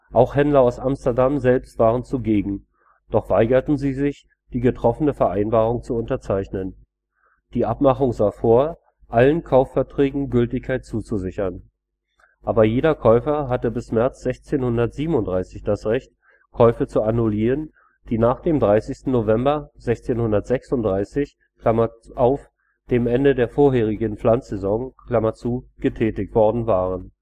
Auch Händler aus Amsterdam selbst waren zugegen, doch weigerten sie sich, die getroffene Vereinbarung zu unterzeichnen. Die Abmachung sah vor, allen Kaufverträgen Gültigkeit zuzusichern. Aber jeder Käufer hatte bis März 1637 das Recht, Käufe zu annullieren, die nach dem 30. November 1636 (dem Ende der vorherigen Pflanzsaison) getätigt worden waren